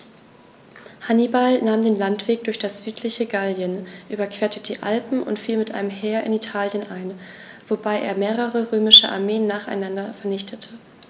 Hannibal nahm den Landweg durch das südliche Gallien, überquerte die Alpen und fiel mit einem Heer in Italien ein, wobei er mehrere römische Armeen nacheinander vernichtete.